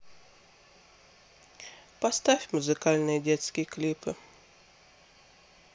поставь музыкальные детские клипы